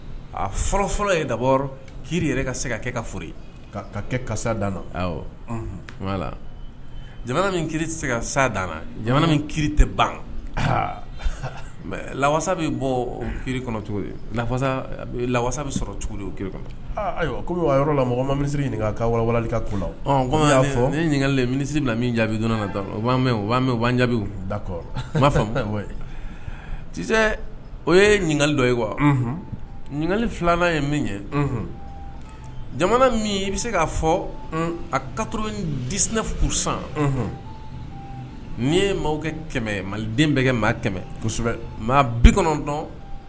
A fɔlɔ fɔlɔ dabɔ ki yɛrɛ ka se ka kɛ ka foli kɛ karisasa dan se ka sa dan ki tɛ bansa bɛ bɔ kɔnɔ cogosa bɛ sɔrɔ cogo kɔmi yɔrɔ la mɔgɔ masiri ɲininka ka ko y'a fɔ ye ɲininkakalisiri na min jaabi donna dɔrɔnan jaabi da b'a o ye ɲininkakali dɔ ye wa ɲininkakali filanan ye min ye jamana min i bɛ se k'a fɔ a kato diinɛ furu san n'i ye maakɛ kɛmɛ mali den bɛ kɛ kɛmɛ kosɛbɛ maa bi dɔn